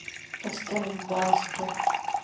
поставь басту